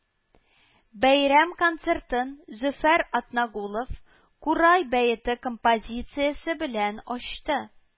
Бәйрәм концертын Зөфәр Атнагулов Курай бәете композициясе белән ачты